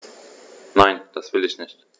Nein, das will ich nicht.